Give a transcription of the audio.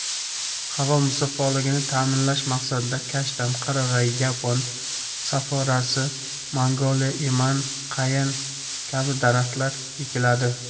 havo musaffoligini ta'minlash maqsadida kashtan qarag'ay yapon soforasi magnoliya eman qayin kabi daraxtlar ekiladi